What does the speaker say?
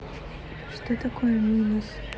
что такое минус